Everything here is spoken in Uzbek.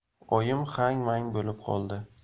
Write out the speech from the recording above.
oyim hang mang bo'lib qoldi